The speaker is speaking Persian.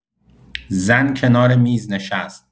زن کنار میز نشست.